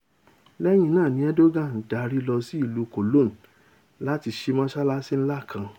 Lẹ́yìn náà ni Erdogan dári lọ sí ìlú Cologne láti sí mọ́sálásí ńlá kan.